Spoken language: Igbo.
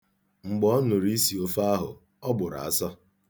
Mgbe ọ nụrụ isi ofe ahụ, ọ gbụrụ asụ.